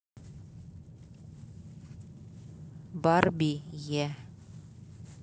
барби е